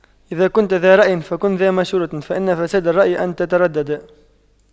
إذا كنتَ ذا رأيٍ فكن ذا مشورة فإن فساد الرأي أن تترددا